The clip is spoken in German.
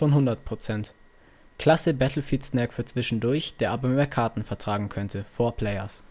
80/100 Prozent: Klasse Battlefield-Snack für zwischendurch, der aber mehr Karten vertragen könnte - 4players